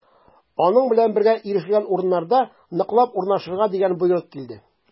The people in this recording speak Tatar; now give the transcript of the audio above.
Аның белән бергә ирешелгән урыннарда ныклап урнашырга дигән боерык килде.